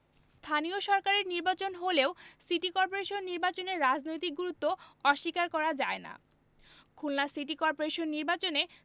স্থানীয় সরকারের নির্বাচন হলেও সিটি করপোরেশন নির্বাচনের রাজনৈতিক গুরুত্ব অস্বীকার করা যায় না খুলনা সিটি করপোরেশন নির্বাচনে